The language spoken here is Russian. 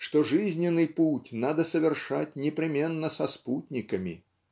что жизненный путь надо совершать непременно со спутниками.